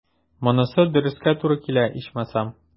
Монысы дөрескә туры килә, ичмасам.